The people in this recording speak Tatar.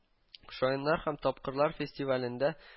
“шаяннар һәм тапкырлар” фестивалендә